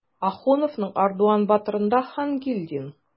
Ахуновның "Ардуан батыр"ында Хангилдин.